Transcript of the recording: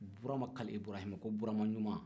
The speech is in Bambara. burama kale ibrahim ko burama ɲuma